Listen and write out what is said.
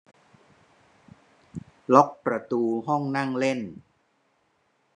ล็อคประตูห้องนั่งเล่น